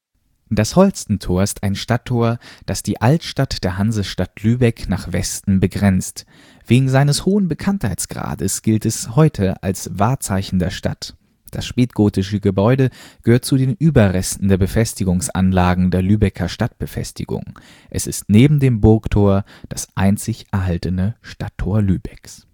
Das Holstentor („ Holstein-Tor “) ist ein Stadttor, das die Altstadt der Hansestadt Lübeck nach Westen begrenzt. Wegen seines hohen Bekanntheitsgrades gilt es heute als Wahrzeichen der Stadt. Das spätgotische Gebäude gehört zu den Überresten der Befestigungsanlagen der Lübecker Stadtbefestigung. Es ist neben dem Burgtor das einzige erhaltene Stadttor Lübecks